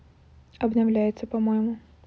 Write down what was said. обновляется по моему